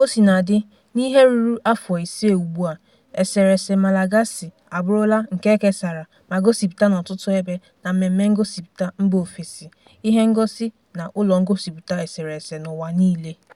Kaosinadị, n'ihe ruru afọ ise ugbua, eserese Malagasy abụrụla nke e kesara ma gosịpụta n'ọtụtụ ebe na mmemme ngosịpụta mba ofesi, ihengosi, na ụlọ ngosịpụta eserese n'ụwa niile.